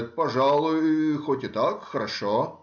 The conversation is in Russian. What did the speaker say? это, пожалуй, хоть и так — хорошо.